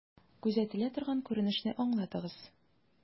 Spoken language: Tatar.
Күзәтелә торган күренешне аңлатыгыз.